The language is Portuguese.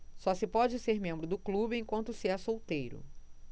só se pode ser membro do clube enquanto se é solteiro